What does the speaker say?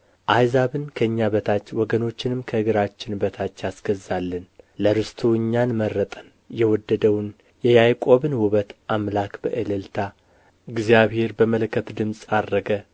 አሕዛብን ከእኛ በታች ወገኖችንም ከእግራችን በታች አስገዛልን ለርስቱ እኛን መረጠን የወደደውን የያዕቆብን ውበት አምላክ በእልልታ እግዚአብሔር በመለከት ድምፅ ዐረገ